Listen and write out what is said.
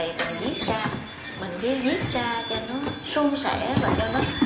thì mình viết ra mình viết ra cho nó suôn sẻ và cho nó